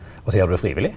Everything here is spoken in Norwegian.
også gjer du det frivillig.